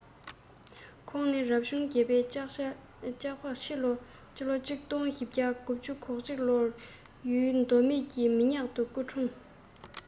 ཁོང ནི རབ བྱུང བརྒྱད པའི ལྕགས ཕག ཕྱི ལོ ༡༤༩༡ ལོར ཡུལ མདོ སྨད མི ཉག ཏུ སྐུ འཁྲུངས